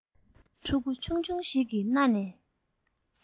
ཕྲུ གུ ཆུང ཆུང ཞིག གི སྣ ནས